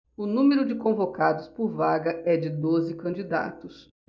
o número de convocados por vaga é de doze candidatos